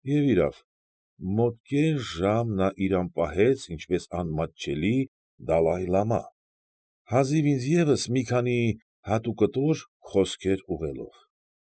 Եվ իրավ, մոտ կես ժամ նա իրան պահեց ինչպես անմատչելի դալայլամա, հազիվ ինձ ևս մի քանի հատուկտոր խոսքեր ուղղելով։